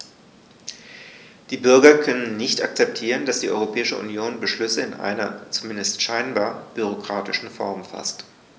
Die Bürger können nicht akzeptieren, dass die Europäische Union Beschlüsse in einer, zumindest scheinbar, bürokratischen Form faßt.